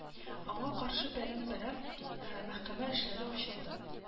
Аңа каршы берәм-берәм мәхкәмә эшләре ачылды